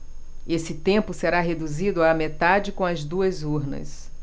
esse tempo seria reduzido à metade com as duas urnas